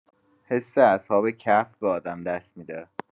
حس اصحاب کهف به آدم دست می‌ده.